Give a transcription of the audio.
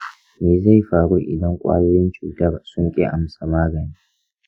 me zai faru idan kwayoyin cutar sun ƙi amsa magani?